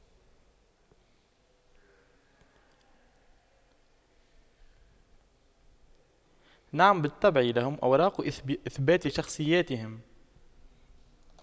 نعم بالطبع لهم أوراق إثبات شخصياتهم